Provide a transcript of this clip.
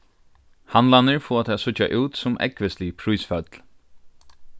handlarnir fáa tað at síggja út sum ógvuslig prísføll